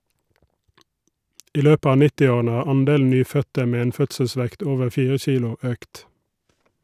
I løpet av nittiårene har andelen nyfødte med en fødselsvekt over fire kilo økt.